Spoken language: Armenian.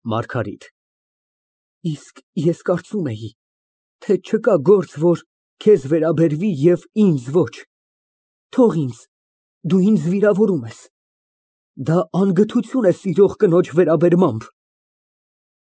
ՄԱՐԳԱՐԻՏ ֊ Իսկ ես կարծում էի, թե չկա գործ, որ քեզ վերաբերվի և ինձ ոչ։ (Ձեռքը խլելով) Թող ինձ, դու ինձ վիրավորում ես։ (Երեսը դարձնում է) Դա անգթություն է սիրող կնոջ վերեբերմամբ։